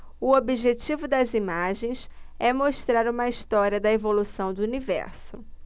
o objetivo das imagens é mostrar uma história da evolução do universo